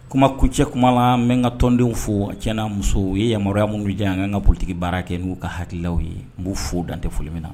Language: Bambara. Kuma kuncɛ kuma la n ka tɔndenw fɔ tiɲɛna muso u ye yamaruyaya minnu jan an ka kan ka ptigi baara kɛ n'u ka halaw ye n b'u fɔ' dantɛ foli minna na